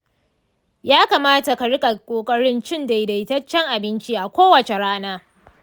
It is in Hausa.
ya kamata ka riƙa ƙoƙarin cin daidaitaccen abinci a kowace rana.